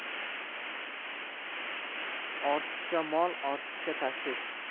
ortiqcha mol ortiqcha tashvish